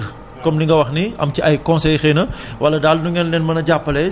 ndax mën nañoo am tey numéro boo xam ne mbokku auditeurs yi ñuy déglu bëgg